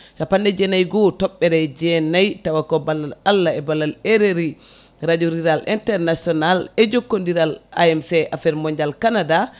capanɗe jeenayyi e goho toɓɓere jeenayyi tawa ko ballal Allah e ballal RRI radio rural international e jokkodiral AMC affaire mondial Canada